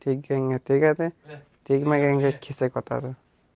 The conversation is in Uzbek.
tegganga tegadi tegmaganga kesak otadi